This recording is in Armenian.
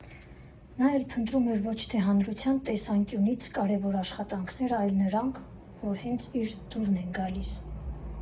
Նա էլ փնտրում էր ոչ թե հանրության տեսանկյունից կարևոր աշխատանքները, այլ նրանք, որ հենց իր դուրն են գալիս։